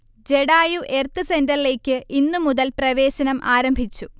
Jatayu earth സെന്ററിലേക്ക് ഇന്ന് മുതൽ പ്രവേശനം ആരംഭിച്ചു